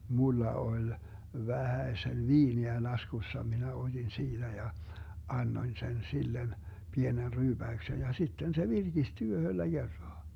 minulla oli vähäsen viiniä laskussa minä otin siitä ja annoin sen sille pienen ryyppäyksen ja sitten se virkistyi yhdellä kertaa